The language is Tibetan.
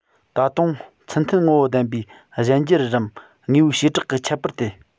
ད དུང ཚུལ མཐུན ངོ བོ ལྡན པའི གཞན འགྱུར རམ དངོས པོའི བྱེ བྲག གི ཁྱད པར ཏེ